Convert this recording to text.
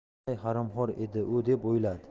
qanday haromxo'r edi u deb o'yladi